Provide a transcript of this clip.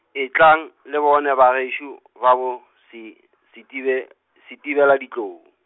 etlang le bone bagešo, ba bo se , Setibe-, -Setibeladitlou.